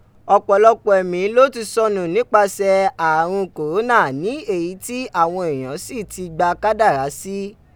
Ọpọlọpọ ẹmi lo ti sọnu nipasẹ ààrun kòrónà ni eyi ti awọn eeyan si ti gba kadara si.